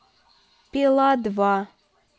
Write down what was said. пила два